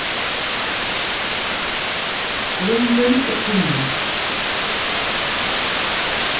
lummin og tummin